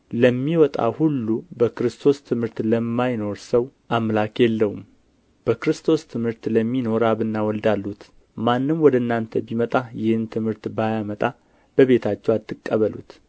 ለሚወጣ ሁሉ በክርስቶስም ትምህርት ለማይኖር ሰው አምላክ የለውም በክርስቶስ ትምህርት ለሚኖር አብና ወልድ አሉት ማንም ወደ እናንተ ቢመጣ ይህንም ትምህርት ባያመጣ በቤታችሁ አትቀበሉት